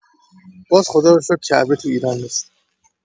باز خدا رو شکر کعبه تو ایران نیست.